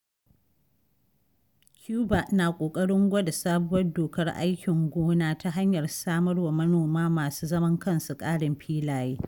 Cuba na ƙoƙarin gwada sabuwar dokar aikin gona ta hanyar samar wa manoma masu zaman kansu ƙarin filaye.